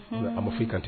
unn, a ma foyi kan tigɛ!